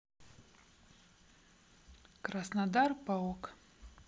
краснодар паок